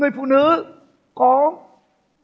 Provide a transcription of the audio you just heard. người phụ nữ có